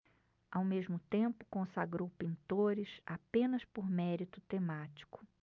ao mesmo tempo consagrou pintores apenas por mérito temático